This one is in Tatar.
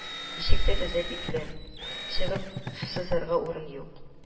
Ишек-тәрәзә бикле, чыгып сызарга урын юк